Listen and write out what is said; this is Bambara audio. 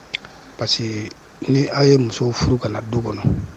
Parce que ni aw ye muso furu kana na du kɔnɔ